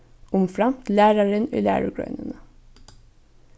umframt lærarin í lærugreinini